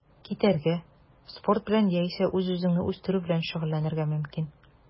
Китәргә, спорт белән яисә үз-үзеңне үстерү белән шөгыльләнергә мөмкин.